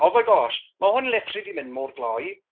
O my gosh, ma' hwn literally 'di mynd mor glou.